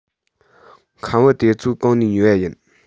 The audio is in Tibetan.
ཁམ བུ དེ ཚོ གང ནས ཉོས པ ཡིན